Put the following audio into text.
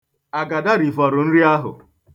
Agada rifọrọ nri ahụ.